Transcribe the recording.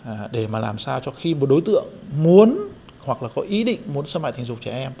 hả để mà làm sao cho khi một đối tượng muốn hoặc là có ý định muốn xâm hại tình dục trẻ em